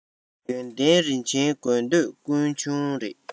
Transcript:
ཡོན ཏན རིན ཆེན དགོས འདོད ཀུན འབྱུང རེད